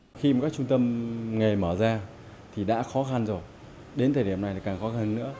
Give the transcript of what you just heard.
khi mà các trung tâm nghề mở ra thì đã khó khăn rồi đến thời điểm này lại càng khó hơn nữa